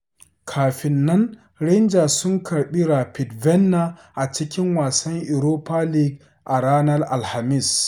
Kafin nan, Rangers sun karɓi Rapid Vienna a cikin wasan Europa League a ranar Alhamis.